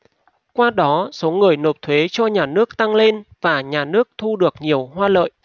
qua đó số người nộp thuế cho nhà nước tăng lên và nhà nước thu được nhiều hoa lợi